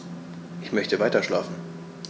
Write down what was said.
Ich möchte weiterschlafen.